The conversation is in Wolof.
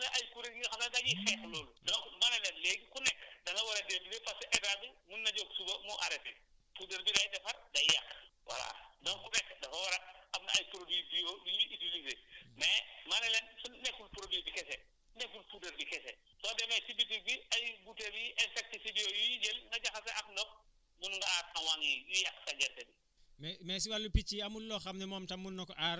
voilà te loolu poson la te am na ñi nga xam ne ay kuréel yi nga xam ne dañuy xeex loolu donc ma ne leen léegi ku nekk da nga war a def lii parce que état bi mun na jël suba mu arrêter puudar bi day defar day yàq voilà donc fekk dafa war a am ay produits bio yu ñuy utiliser mais ma ne leen su fi fekkul produit bi kese su fekkul puudar bi kese soo demee si usine bi ay puudar yi insecticides yooyu ñuy jël nga jaxase ak ndox mun nga aar sa waŋ yi du ñu yàq sa gerte gi